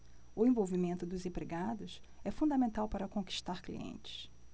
o envolvimento dos empregados é fundamental para conquistar clientes